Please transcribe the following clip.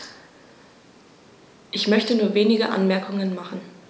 Ich möchte nur wenige Anmerkungen machen.